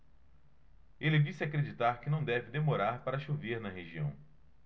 ele disse acreditar que não deve demorar para chover na região